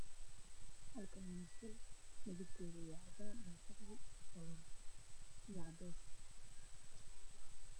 Waa musqul waxay leedahay shaawar iyo meel lagu qabeysto oo cadaan ah